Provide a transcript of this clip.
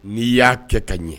N'i y'a kɛ ka ɲɛ